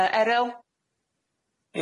Yy Eryl?